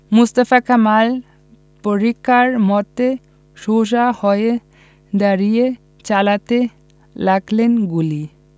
মোস্তফা কামাল পরিখার মধ্যে সোজা হয়ে দাঁড়িয়ে চালাতে লাগলেন গুলি